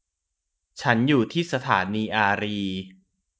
ฉันอยู่ที่สถานีอารีย์